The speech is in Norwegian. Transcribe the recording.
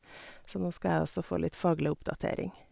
Så nå skal jeg altså få litt faglig oppdatering.